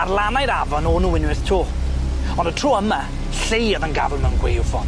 Ar lannau'r afon o'n nw unweth 'to on' y tro yma Llei oedd yn gafel mewn gwaywffon.